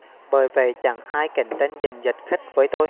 bởi vậy chẳng ai cạnh tranh giành giật khách với tôi